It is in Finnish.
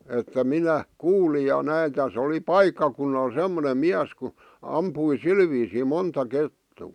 että minä kuulin ja näin tässä oli paikkakunnalla semmoinen mies kun ampui sillä viisiin monta kettua